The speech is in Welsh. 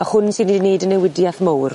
A hwn sy' 'di neud newidieth mowr.